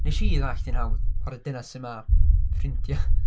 Nes i ddallt hi'n hawdd oherwydd dyna sut ma' ffrindiau